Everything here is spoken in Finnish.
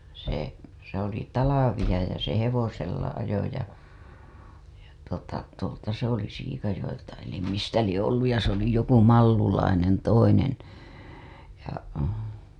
se se oli talvea ja se hevosella ajoi ja ja tuota tuolta se oli Siikajoelta eli mistä lie ollut ja se - oli joku Mallulainen toinen ja